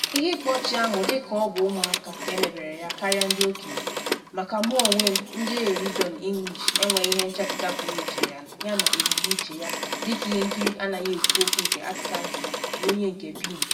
Ihe ịkpa ọchị ahụ dịka ọ bụ ụmụaka ka emebere ya karịa ndị okenye, maka mụ onwe m njegheri Johnny English enweghị ihe nchepụta pụrụ iche yana ebumnuche ya dịka ihe nkiri anaghị ekwu okwu nke Atkinson, n’onye nke Bean.